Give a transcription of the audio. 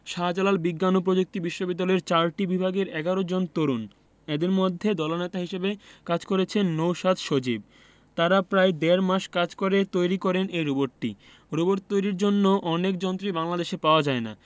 শাহজালাল বিজ্ঞান ও প্রযুক্তি বিশ্ববিদ্যালয়ের চারটি বিভাগের ১১ জন তরুণ এদের মধ্যে দলনেতা হিসেবে কাজ করেছেন নওশাদ সজীব তারা প্রায় দেড় মাস কাজ করে তৈরি করেন এই রোবটটি রোবট তৈরির জন্য অনেক যন্ত্রই বাংলাদেশে পাওয়া যায় না